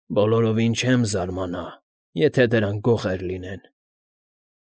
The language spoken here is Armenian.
Բոլորովին չեմ զարմանա, եթե դրանք գողեր լինեն։